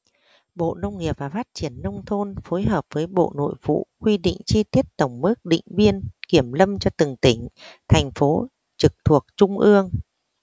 bộ nông nghiệp và phát triển nông thôn phối hợp với bộ nội vụ quy định chi tiết tổng mức định biên kiểm lâm cho từng tỉnh thành phố trực thuộc trung ương